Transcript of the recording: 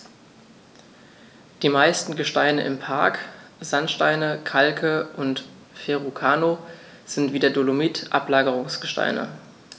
Die meisten Gesteine im Park – Sandsteine, Kalke und Verrucano – sind wie der Dolomit Ablagerungsgesteine.